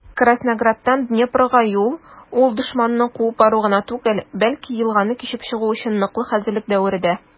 Краснограддан Днепрга юл - ул дошманны куып бару гына түгел, бәлки елганы кичеп чыгу өчен ныклы хәзерлек дәвере дә.